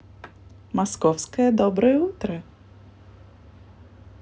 московское доброе утро